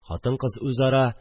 Хатын-кыз үзара